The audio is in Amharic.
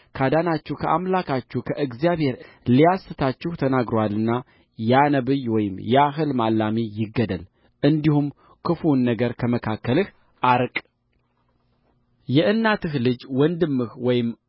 ካዳናችሁ ከአምላካችሁ ከእግዚአብሔር ሊያስታችሁ ተናግሮአልና ያ ነቢይ ወይም ያ ሕልም አላሚ ይገደል እንዲሁም ክፉውን ነገር ከመካከልህ አርቅ የእናትህ